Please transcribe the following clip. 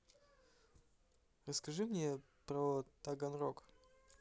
расскажи мне про таганрог